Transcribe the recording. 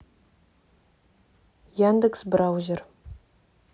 яндекс браузер